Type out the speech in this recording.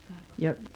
karkotettiin